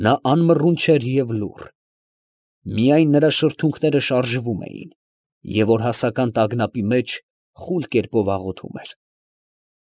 Նա անմռունչ էր և լուռ. միայն նրա շրթունքները շարժվում էին, և օրհասական տագնապի մեջ խուլ կերպով աղոթում էր…։